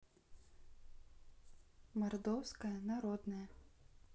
мордовская народная